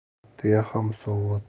tuya ham sovg'a